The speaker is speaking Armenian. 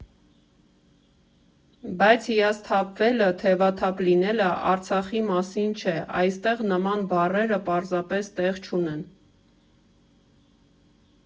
Բայց հիասթափվելը, թևաթափ լինելը Արցախի մասին չէ, այստեղ նման բառերը պարզապես տեղ չունեն։